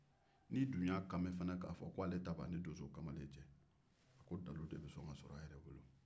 n'i dun y'a kanmɛ k'a fɔ k'a ta b'a ni donsokamalen cɛ dalilu do bɛ sɔn ka ke a yɛrɛ bolo